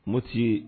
Moti